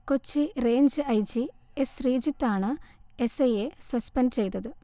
Kochi range I G, S ശ്രീജിത്താണ് S ഐയെ suspend ചെയ്തത്